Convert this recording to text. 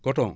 coton